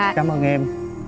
cám ơn em